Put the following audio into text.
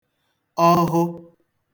ọhụ